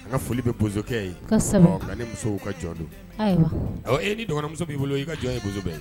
An ka foli bɛ bo kɛ ye ne muso ka jɔn don e ni dɔgɔninmuso b'i bolo i ka jɔn ye kosɛbɛ